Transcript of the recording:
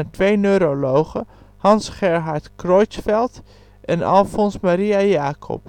twee neurologen, Hans Gerhard Creutzfeldt en Alfons Maria Jakob